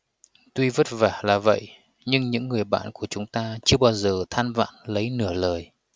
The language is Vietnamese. tuy vất vả là vậy nhưng những người bạn của chúng ta chưa bao giờ than vãn lấy nửa lời